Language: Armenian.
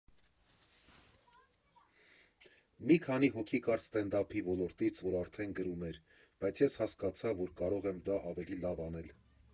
Մի քանի հոգի կար ստենդափի ոլորտից, որ արդեն գրում էր, բայց ես հասկացա, որ կարող եմ դա ավելի լավ անել։